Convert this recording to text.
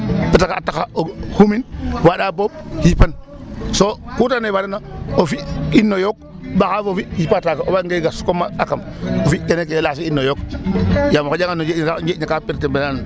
Parce que a taxa o xumin waaɗa boomb yipan so ku ta andoona yee warino o fi' no yook ɓaxa foofi, yipaa taaga o waagange gas comme a kamb o fi' kene ke lacer in no yook yaam o yaƴangan no njeeñ ne sax njeeñ ne ka perturber an.